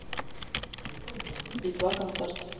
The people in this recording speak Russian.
би два концерт